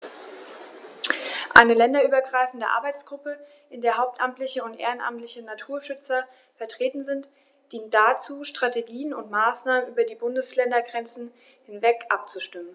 Eine länderübergreifende Arbeitsgruppe, in der hauptamtliche und ehrenamtliche Naturschützer vertreten sind, dient dazu, Strategien und Maßnahmen über die Bundesländergrenzen hinweg abzustimmen.